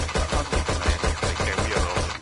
Ma' ma'n ddrwg gennai 'nai 'nai dewi ar ôl hyn...